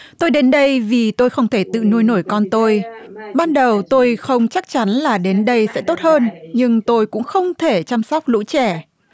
tôi đến đây vì tôi không thể tự nuôi nổi con tôi ban đầu tôi không chắc chắn là đến đây sẽ tốt hơn nhưng tôi cũng không thể chăm sóc lũ trẻ